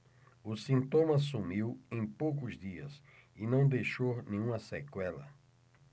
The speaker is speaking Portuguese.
o sintoma sumiu em poucos dias e não deixou nenhuma sequela